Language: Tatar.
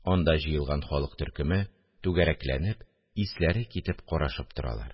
Анда җыелган халык төркеме, түгәрәкләнеп, исләре китеп карашып торалар